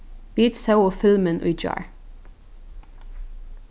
vit sóu filmin í gjár